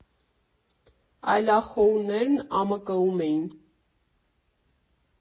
Այլախոհներն ԱՄԿ֊ում էին։